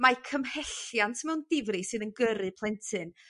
mae cymhelliant mewn difri sydd yn gyrru plentyn.